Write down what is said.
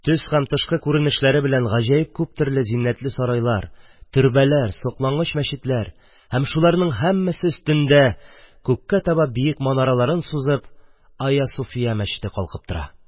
Төс һәм тышкы күренешләре белән гаҗәеп күптөрле зиннәтле сарайлар, төрбәләр, соклангыч мәчетләр... һәм шуларның һәммәсе өстендә, күккә таба биек манараларын сузып, Айя-Суфия мәчете калкып тора.